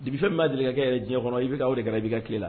Di bi fɛn b'a jelikɛkɛ yɛrɛ ɲɛ kɔnɔ i bɛ ka aw de kɛ i'i ka tile la